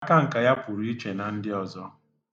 Akanka ya pụrụ iche na ndị ọzọ.